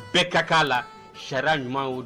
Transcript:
Bɛɛ ka kɛ a la ca ɲuman o don